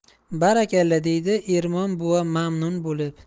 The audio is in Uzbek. barakalla deydi ermon buva mamnun bo'lib